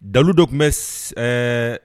Dalu dɔ tun bɛ ɛɛ